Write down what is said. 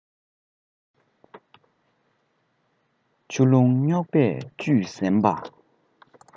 ཆུ ཀླུང རྙོག པས ཆུད གཟན པ